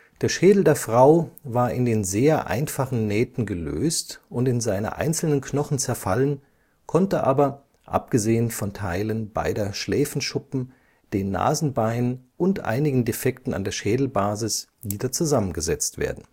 Der Schädel der Frau war in den sehr einfachen Nähten gelöst und in seine einzelnen Knochen zerfallen, konnte aber, abgesehen von Teilen beider Schläfenschuppen, den Nasenbeinen und einigen Defekten an der Schädelbasis, wieder zusammengesetzt werden